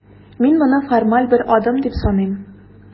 Мин моны формаль бер адым дип саныйм.